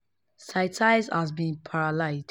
Cities have been paralyzed